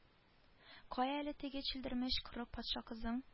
Кая әле теге чәлдермеш кырык патша кызың